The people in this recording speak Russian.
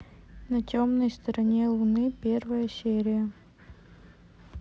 на темной стороне луны первая серия